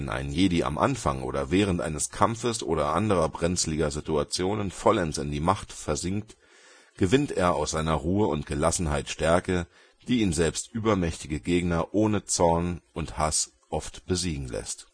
ein Jedi am Anfang oder während eines Kampfes oder anderer brenzliger Situationen vollends in die Macht versenkt, gewinnt er aus seiner Ruhe und Gelassenheit Stärke, die ihn selbst übermächtige Gegner ohne Zorn und Hass oft besiegen lässt